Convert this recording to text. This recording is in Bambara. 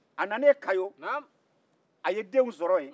a nalen kayo a ye denw sɔrɔ yen